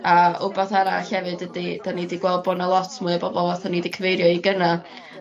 A wbath arall hefyd ydi 'dan ni 'di gweld bo' 'na lot mwy o bobol fath o'n i 'di cyfeirio i gynna'